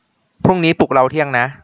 พรุ่งนี้ปลุกเราเที่ยงนะ